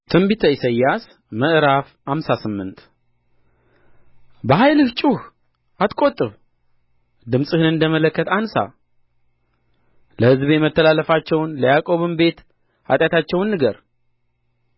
ትንቢተ ኢሳይያስ ምዕራፍ ሃምሳ ስምንት በኃይልህ ጩኽ አትቈጥብ ድምፅህን እንደ መለከት አንሣ ለሕዝቤ መተላለፋቸውን ለያዕቆብ ቤትም ኃጢአታቸውን ንገር